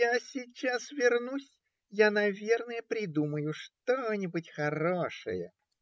я сейчас вернусь, я наверно придумаю что-нибудь хорошее.